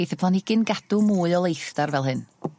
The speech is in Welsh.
geith y planhigyn gadw mwy o leithdar fel hyn.